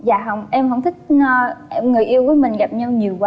dạ hông em hổng thích ơ người yêu của mình gặp nhau nhiều quá